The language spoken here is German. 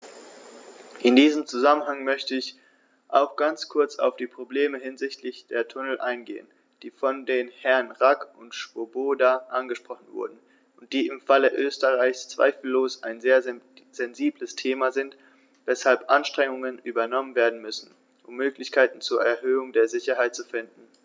In diesem Zusammenhang möchte ich auch ganz kurz auf die Probleme hinsichtlich der Tunnel eingehen, die von den Herren Rack und Swoboda angesprochen wurden und die im Falle Österreichs zweifellos ein sehr sensibles Thema sind, weshalb Anstrengungen unternommen werden müssen, um Möglichkeiten zur Erhöhung der Sicherheit zu finden.